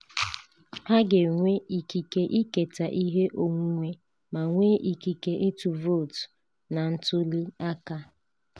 Ha ga-enwe ikike iketa ihe onwunwe ma nwee ikike ịtụ vootu na ntụliaka.